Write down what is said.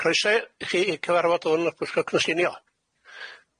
Croeso i chi i'r cyfarfod hwn o'r Pwyllgor Cynllunio.